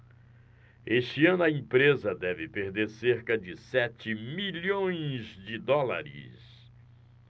este ano a empresa deve perder cerca de sete milhões de dólares